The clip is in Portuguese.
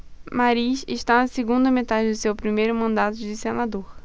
mariz está na segunda metade do seu primeiro mandato de senador